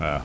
waaw